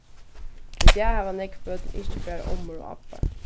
í dag hava nógv børn ikki bara ommur og abbar